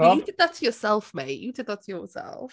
You did that to yourself, mate. You did that to yourself.